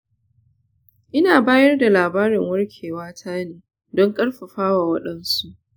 ina bayar da labarin warkewata ne don ƙarfafa waɗansu.